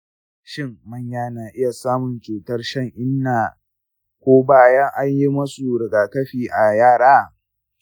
shin manya na iya samun cutar shan-inna ko bayan an yi musu rigakafin a yara?